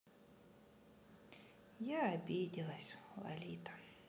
я обиделась лолита